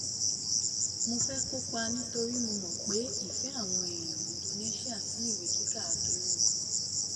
Mo fẹ́ kópa nítorí mo mọ̀ pé ìfẹ́ àwọn èèyàn Indonesia sí ìwé kíkà kéré gan.